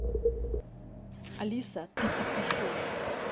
алиса ты петушок